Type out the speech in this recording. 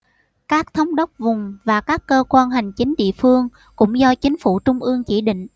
các thống đốc vùng và các cơ quan hành chính địa phương cũng do chính phủ trung ương chỉ định